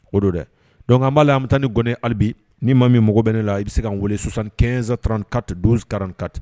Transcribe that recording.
O don dɛ donc an b'a lajɛ an bɛ taa ni nkɔni hali bi ni ma min mago bɛ ne la, i bɛ se ka nweele 15 34 12 44